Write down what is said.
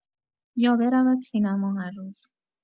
یا برورد سینما هر روز.